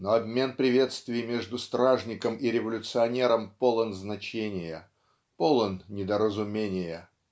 но обмен приветствий между стражником и революционером полон значения полон недоразумения.